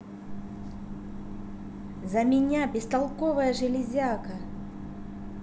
за меня бестолковая железяка